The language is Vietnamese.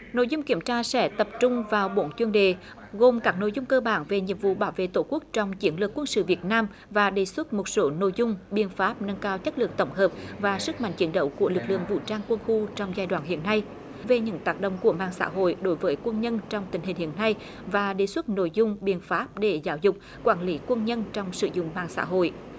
nội dung kiểm tra sẽ tập trung vào bốn chuyên đề gồm các nội dung cơ bản về nhiệm vụ bảo vệ tổ quốc trong chiến lược quân sự việt nam và đề xuất một số nội dung biện pháp nâng cao chất lượng tổng hợp và sức mạnh chiến đấu của lực lượng vũ trang quân khu trong giai đoạn hiện nay về những tác động của mạng xã hội đối với quân nhân trong tình hình hiện nay và đề xuất nội dung biện pháp để giáo dục quản lý quân nhân trong sử dụng mạng xã hội